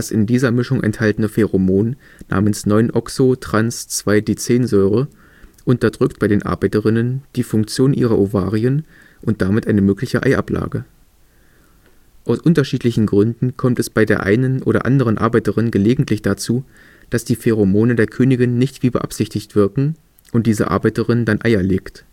in dieser Mischung enthaltenen Pheromon namens 9-Oxo-trans-2-Decensäure unterdrückt bei den Arbeiterinnen die Funktion ihrer Ovarien und damit eine mögliche Eiablage. Aus unterschiedlichen Gründen kommt es bei der einen oder anderen Arbeiterin gelegentlich dazu, dass die Pheromone der Königin nicht wie beabsichtigt wirken und diese Arbeiterin dann Eier legt